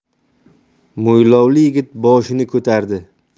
mo'ylovli yigit boshini ko'tardi